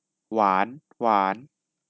หวานหวาน